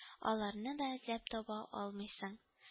Аларны да эзләп таба алмыйсың